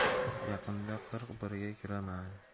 yaqinda qirq birga kiraman